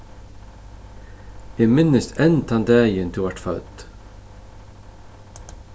eg minnist enn tann dagin tú vart fødd